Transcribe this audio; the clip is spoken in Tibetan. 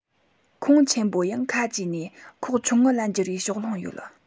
ཁོངས ཆེན པོ ཡང ཁ གྱེས ནས ཁོངས ཆུང ངུ ལ འགྱུར པའི ཕྱོགས ལྷུང ཡོད